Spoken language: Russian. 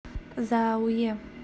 за ауе